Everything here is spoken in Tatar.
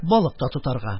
Балык та тотарга.